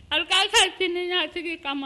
siniɲasigi kama